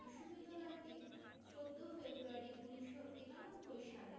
বিশ্ববিদ্যালয়টি ১৪ ফেব্রুয়ারি ১৯৯১ সালে